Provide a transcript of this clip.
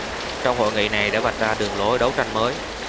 trong hội nghị này đã vạch ra đường lối đấu tranh mới